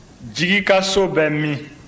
jigi ka so bɛ min